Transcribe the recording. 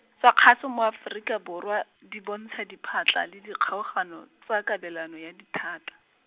tsa kgaso mo Aforika Borwa, di bontsha diphatla le dikgaogano, tsa kabelano ya dithata.